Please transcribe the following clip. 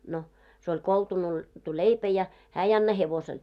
no se oli koltunoitu leipä ja hän ei anna hevoselle